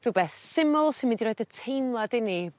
rhwbeth syml sy'n mynd i roid y teimlad i ni